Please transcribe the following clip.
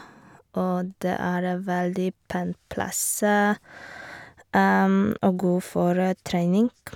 Og det er veldig pen plass, og god for trening.